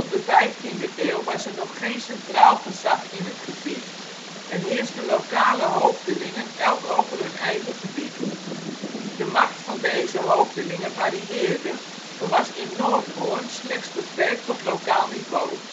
de 15e eeuw was er nog geen centraal gezag in het gebied en heersten lokale hoofdelingen elk over hun eigen gebied. De macht van deze hoofdelingen varieerde, maar was in Noordhorn slechts beperkt tot lokaal niveau